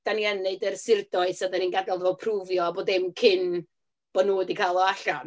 Dan ni yn wneud yr surdoes, a dan ni'n gadael iddo fo prwfio a bob dim cyn bo' nhw 'di cael o allan.